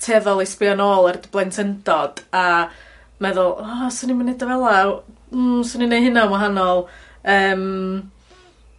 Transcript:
tueddol i sbio nôl ar dy blentyndod a meddwl o swn i'm yn neud o fel 'a o- mm swn i'n neu' hynna'n wahanol yym.